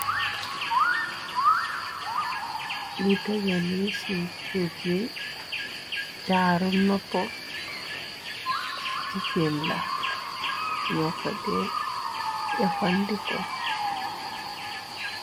Lu tegeni si suuf ni jaaru noppo jigéen la ñyo ko de jefandiko.